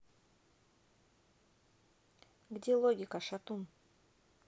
где логика шатун